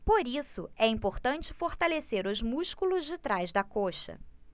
por isso é importante fortalecer os músculos de trás da coxa